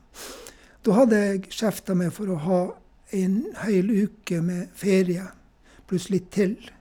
Da hadde jeg skjefta meg for å ha en hel uke med ferie pluss litt til.